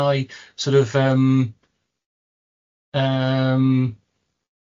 neu sor' of yym, yym.